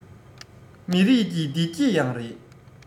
མི རིགས ཀྱི བདེ སྐྱིད ཡང རེད